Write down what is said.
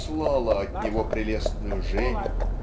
услала от него прелестную Женю